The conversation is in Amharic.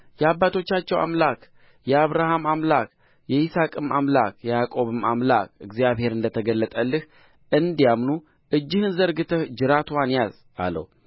የአባቶቻቸው አምላክ የአብርሃም አምላክ የይስሐቅም አምላክ የያዕቆብም አምላክ እግዚአብሔር እንደ ተገለጠልህ እንዲያምኑ እጅህን ዘርግተህ ጅራትዋን ያዝ አለው